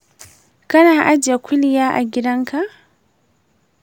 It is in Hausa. kana ajiye kuliya a gidanka?